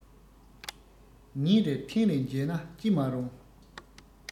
ཉིན རེར ཐེངས རེ མཇལ ན ཅི མ རུང